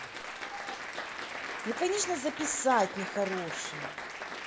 ну конечно записать нехороший